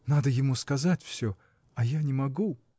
Надо ему сказать всё, а я не могу!